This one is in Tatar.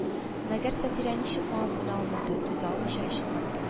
Мәгәр Сатирә ничектер моңа күнә алмады, түзә алмыйча эче катты